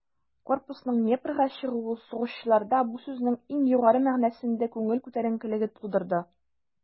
Корпусның Днепрга чыгуы сугышчыларда бу сүзнең иң югары мәгънәсендә күңел күтәренкелеге тудырды.